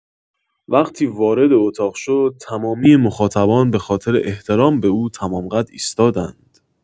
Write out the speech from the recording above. وقتی وارد اتاق شد، تمامی مخاطبان به‌خاطر احترام به او، تمام‌قد ایستادند.